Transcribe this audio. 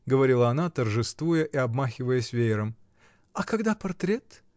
— говорила она, торжествуя и обмахиваясь веером. — А когда портрет?